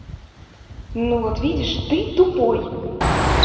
ну вот видишь ты тупой